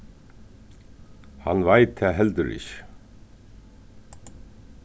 hann veit tað heldur ikki